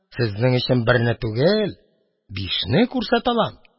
Сезнең өчен берне түгел, бишне күрсәтә алам.